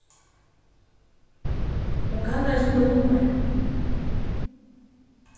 hon kannaði sínar lummar